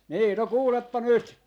niin no kuulepa nyt